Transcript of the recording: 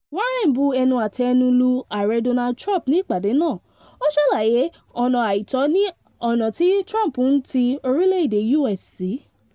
Warren bu ẹnu àtẹ́ẹnu lu ààrẹ Donald Trump ní ìpàdé náà, ó ṣàlàyé ọ̀nà àìtọ́ ni ọ̀nà tí Trump ń ti orílẹ̀èdè US sí.